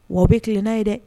Wa bɛ tilenna ye dɛ